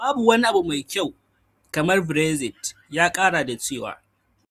Babu wani abu mai kyau kamar Brexit, ‘ya kara da cewa.